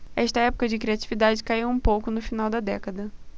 esta época de criatividade caiu um pouco no final da década